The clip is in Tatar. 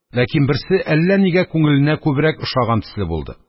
Ләкин берсе әллә нигә күңеленә күбрәк ошаган төсле булды.